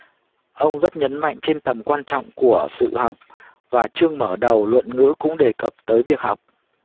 ông rất nhấn mạnh trên tầm quan trọng của sự học và chương mở đầu luận ngữ cũng đề cập tới việc học